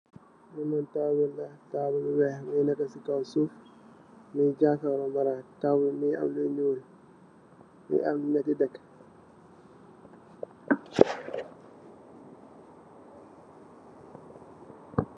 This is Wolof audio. Li nak tabul la, tabul bu weex bu neka ci kaw suuf mungi jakarlu maraj bi. Tabul bi mungi am lu ñuul mungi am nyatti dekk.